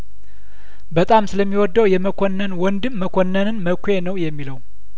በጣም ስለሚ ወደው የመኮንን ወንድም መኮንንን መኳ ነው የሚለው